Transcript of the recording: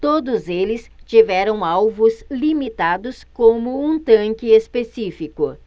todos eles tiveram alvos limitados como um tanque específico